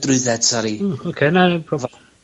drwydded sori. O oce, na